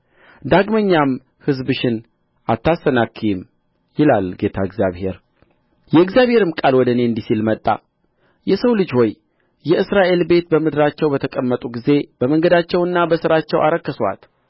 ዳግመኛም ሕዝብሽን አታሰናክዪም ይላል ጌታ እግዚአብሔር የእግዚአብሔርም ቃል ወደ እኔ እንዲህ ሲል መጣ የሰው ልጅ ሆይ የእስራኤል ቤት በምድራቸው በተቀመጡ ጊዜ በመንገዳቸውና በሥራቸው አረከሱአት